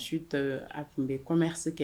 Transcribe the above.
Su ta a tun bɛ hakɛ kɛ